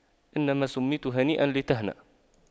إنما سُمِّيتَ هانئاً لتهنأ